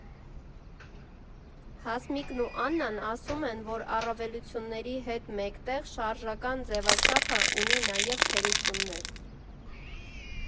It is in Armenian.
Հասմիկն ու Աննան ասում են, որ առավելությունների հետ մեկտեղ շարժական ձևաչափը ունի նաև թերություններ։